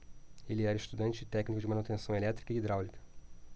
ele era estudante e técnico de manutenção elétrica e hidráulica